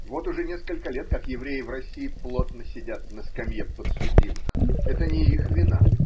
Вот уже несколько лет, как евреи в России плотно сидят на скамье подсудимых. Это не их вина.